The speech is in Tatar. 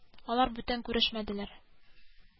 Карлы яңгырлар еш ява башлады.